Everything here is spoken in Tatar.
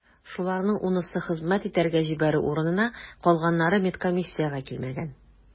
Шуларның унысы хезмәт итәргә җибәрү урынына, калганнары медкомиссиягә килмәгән.